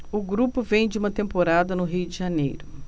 o grupo vem de uma temporada no rio de janeiro